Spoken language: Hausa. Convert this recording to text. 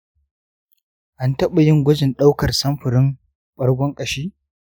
an taɓa yin gwajin ɗaukar samfurin ɓargon ƙashi?